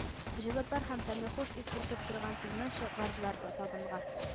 Җылы пар һәм тәмле хуш ис бөркеп торган пилмән чыгардылар б табынга